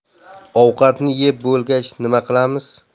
ovqatni yeb bo'lgach nima qilamiz